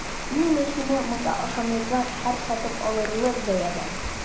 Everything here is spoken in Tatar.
Иң мөһиме – монда ашамлыклар һәркем сатып алырлык бәядән!